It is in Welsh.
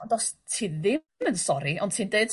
Ond os ti ddim yn sori ond ti'n deud